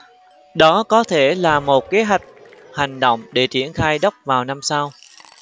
đó có thể là một kế hoạch hành động để triển khai doc vào năm sau